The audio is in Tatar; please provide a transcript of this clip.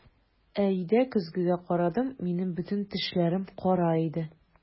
Ә өйдә көзгегә карадым - минем бөтен тешләрем кара иде!